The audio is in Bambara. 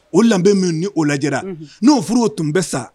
O danbe min ni o lajɛra n'o furu'o tun bɛ sa